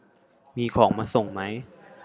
มีของมาส่งไหม